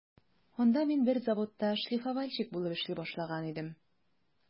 Анда мин бер заводта шлифовальщик булып эшли башлаган идем.